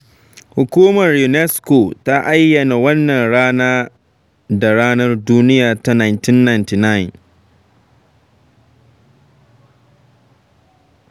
Hukumar UNESCO ta ayyana wannan rana da Ranar Duniya a 1999.